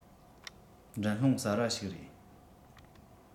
འགྲན སློང གསར པ ཞིག རེད